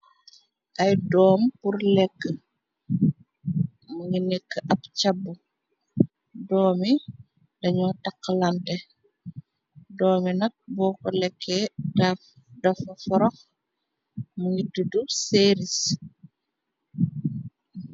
Ay doom pur lekk mu ngi nikk ab càbb. Doomi dañu taxlante. Doomi nat boo ko lekkee dafa forox mu ngi tiddu seeris.